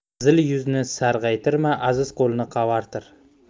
qizil yuzni sarg'aytma aziz qo'lni qavartir